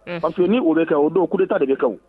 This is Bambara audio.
Masanin o bɛ kɛ o don kuta de bɛ kan